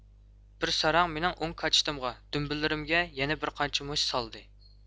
بىر ساراڭ مېنىڭ ئوڭ كاچىتىمغا دۈمبىلىرىمگە يەنە بىرنەچچە مۇشت سالدى